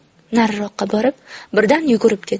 nariroqqa borib birdan yugurib ketdi